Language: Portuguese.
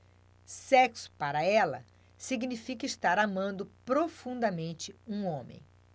sexo para ela significa estar amando profundamente um homem